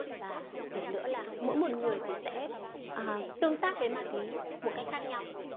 một điểm nữa đấy là mỗi người sẽ tương tác với ma túy một cách khác nhau